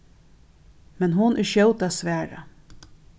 men hon er skjót at svara